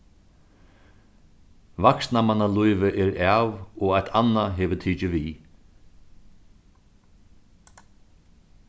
vaksnamannalívið er av og eitt annað hevur tikið við